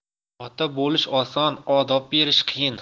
ota bo'hsh oson odob berish qiyin